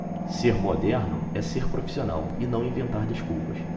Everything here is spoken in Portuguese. ser moderno é ser profissional e não inventar desculpas